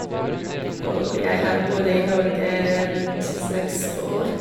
Og jeg har bodd i Norge rundt seks år.